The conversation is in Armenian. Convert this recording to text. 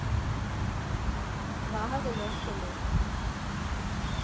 Վահագնն ասում է.